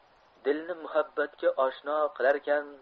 dilni muhabbatga oshno qilarkan